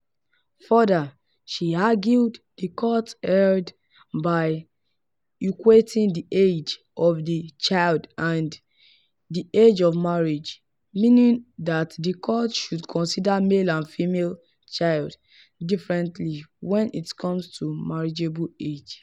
Further, she argued the court erred by “equating the age of the child and the age of marriage,” meaning that the court should consider male and female children differently when it comes to marriageable age.